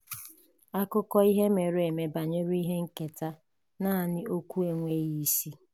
Akụkọ ihe mere eme banyere ihe nketa—naanị okwu enweghị isi.